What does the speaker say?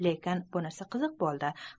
lekin bunisi qiziq bo'ldi